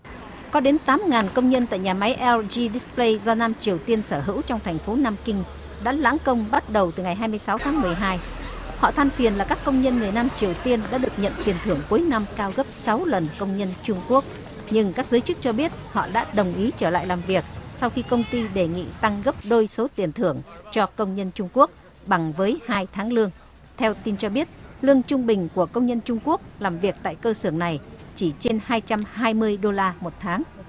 có đến tám ngàn công nhân tại nhà máy eo ri đít bờ lây do nam triều tiên sở hữu trong thành phố nam kinh đã lãng công bắt đầu từ ngày hai mươi sáu tháng mười hai họ than phiền là các công nhân miền nam triều tiên đã được nhận tiền thưởng cuối năm cao gấp sáu lần công nhân trung quốc nhưng các giới chức cho biết họ đã đồng ý trở lại làm việc sau khi công ty đề nghị tăng gấp đôi số tiền thưởng cho công nhân trung quốc bằng với hai tháng lương theo tin cho biết lương trung bình của công nhân trung quốc làm việc tại cơ sở này chỉ trên hai trăm hai mươi đô la một tháng